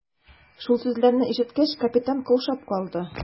Шул сүзләрне ишеткәч, капитан каушап калды.